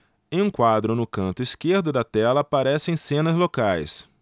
em um quadro no canto esquerdo da tela aparecem cenas locais